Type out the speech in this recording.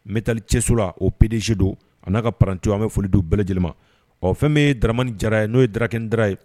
N bɛ taali cɛso la o p pezsidon a n'a ka prati an bɛ foli dun bɛɛ lajɛlen ɔ fɛn ye dmani jara ye n'o ye dakɛ da ye